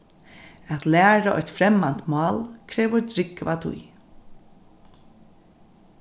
at læra eitt fremmant mál krevur drúgva tíð